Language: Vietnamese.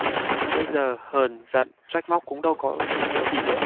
bây giờ hờn giận trách móc cũng đâu có ý nghĩa gì nữa